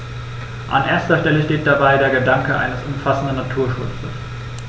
An erster Stelle steht dabei der Gedanke eines umfassenden Naturschutzes.